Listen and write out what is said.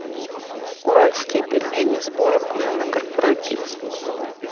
уральские пельмени сборы мужа на корпоратив